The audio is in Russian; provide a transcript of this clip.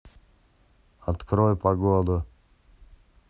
открой погоду